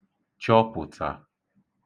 chọpụ̀tà